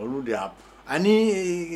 Olu de y'a ani ee